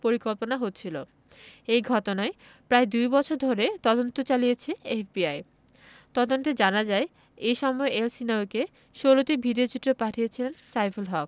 পরিকল্পনা হচ্ছিল এ ঘটনায় প্রায় দুই বছর ধরে তদন্ত চালিয়েছে এফবিআই তদন্তে জানা যায় এ সময় এলসহিনাউয়িকে ১৬টি ভিডিওচিত্র পাঠিয়েছিলেন সাইফুল হক